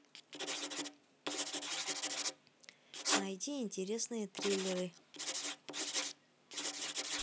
найди интересные триллеры